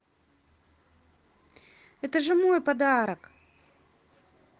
это же мой подарок